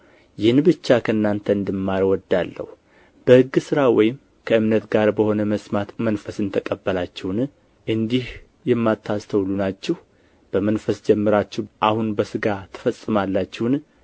ይህን ብቻ ከእናንተ እንድማር እወዳለሁ በሕግ ሥራ ወይም ከእምነት ጋር በሆነ መስማት መንፈስን ተቀበላችሁን እንዲህን የማታስተውሉ ናችሁ በመንፈስ ጀምራችሁ አሁን በሥጋ ትፈጽማላችሁን